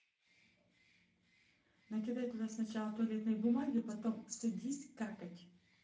накидай туда сначала туалетной бумаги потом садись какать